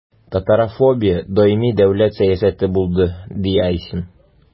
Татарофобия даими дәүләт сәясәте булды, – ди Айсин.